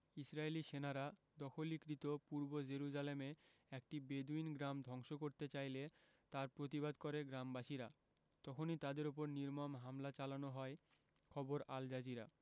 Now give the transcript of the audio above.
ইসরাইলি সেনারা দখলীকৃত পূর্ব জেরুজালেমে একটি বেদুইন গ্রাম ধ্বংস করতে চাইলে তার প্রতিবাদ করে গ্রামবাসীরা তখনই তাদের ওপর নির্মম হামলা চালানো হয় খবর আল জাজিরা